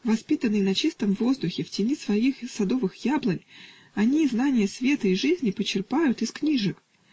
Воспитанные на чистом воздухе, в тени своих садовых яблонь, они знание света и жизни почерпают из книжек.